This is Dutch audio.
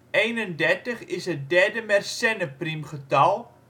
Eenendertig is het derde Mersenne priemgetal